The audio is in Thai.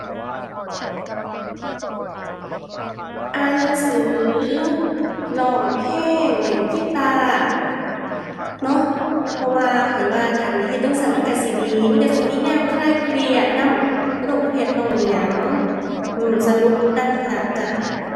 อ่านหนังสือ ร้องเพลง เล่นกีตาร์เนาะ เพราะว่าข้อยว่าคันได้เฮ็ดจั่งซั้นมันก็สิดี มันก็สิมีแนวคลายเครียดนำ บ่ต้องเครียดต้องหยัง อือ สนุกอีกต่างหากจ้า